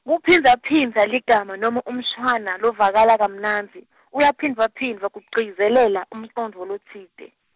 kuphindzaphindza ligama nobe umshwana lovakala kamnandzi, uyaphindvwaphindvwa kugcizelela umcondvo lotsite.